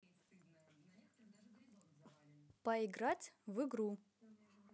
поиграть в игру